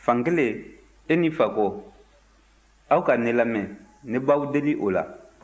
fankelen e ni fakɔ aw ka ne lamɛn ne b'aw deli o la